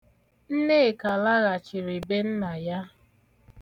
Nnekà laghachiri be nna ya.